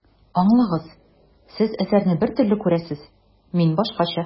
Аңлагыз, Сез әсәрне бер төрле күрәсез, мин башкача.